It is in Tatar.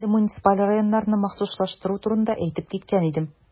Мин инде муниципаль районнарны махсуслаштыру турында әйтеп киткән идем.